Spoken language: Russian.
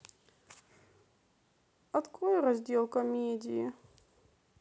открой раздел комедии